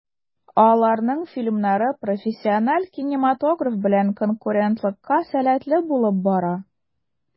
Аларның фильмнары профессиональ кинематограф белән конкурентлыкка сәләтле булып бара.